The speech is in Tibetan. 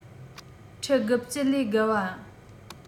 ཁྲི ༩༠ ལས བརྒལ བ